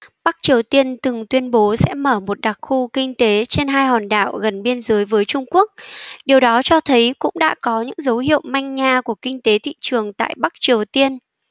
bắc triều tiên từng tuyên bố sẽ mở một đặc khu kinh tế trên hai hòn đảo gần biên giới với trung quốc điều đó cho thấy cũng đã có những dấu hiệu manh nha của kinh tế thị trường tại bắc triều tiên